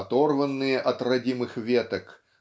оторванные от родимых веток